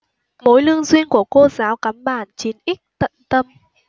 mối lương duyên của cô giáo cắm bản chín x tận tâm